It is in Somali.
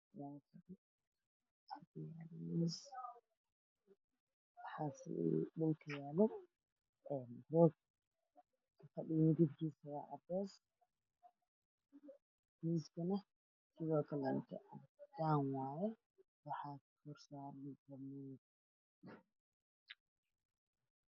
Waa qol fadhiyaalo fadhiga aada u qurux badan midabkiisu yahay dahabi ah miis caddaan ayaa horyaalo darbi cad ayaa ka dambeeyo dhulku waa maturel